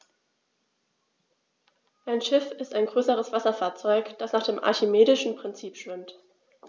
Ein Schiff ist ein größeres Wasserfahrzeug, das nach dem archimedischen Prinzip schwimmt.